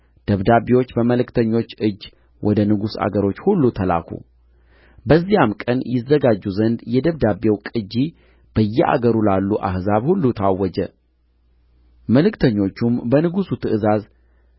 ደብዳቤዎች በመልእክተኞች እጅ ወደ ንጉሡ አገሮች ሁሉ ተላኩ በዚያም ቀን ይዘጋጁ ዘንድ የደብዳቤው ቅጅ በየአገሩ ላሉ አሕዛብ ሁሉ ታወጀ መልእክተኞቹም በንጉሡ ትእዛዝ